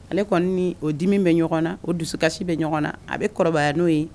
Ale kɔni o dimi bɛ ɲɔgɔn na o dusukasi bɛ ɲɔgɔn na a bɛ kɔrɔbaya n'o ye